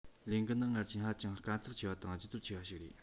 ལས འགན ནི སྔར བཞིན ཧ ཅང དཀའ ཚེགས ཆེ བ དང ལྗིད རྫོབ ཆེ བ ཞིག རེད